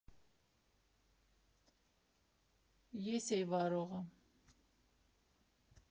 Ես էի վարողը։